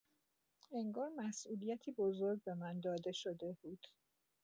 انگار مسئولیتی بزرگ به من داده شده بود.